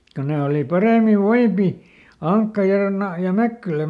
kun ne oli paremmin voivia Ankka ja - ja Mäkkylä